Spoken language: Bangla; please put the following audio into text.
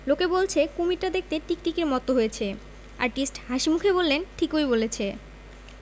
লোকে বলছে কুমীরটা দেখতে টিকটিকির মত হয়েছে আর্টিস্ট হাসিমুখে বললেন ঠিকই বলেছে